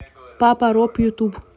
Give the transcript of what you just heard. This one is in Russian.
папа роб ютуб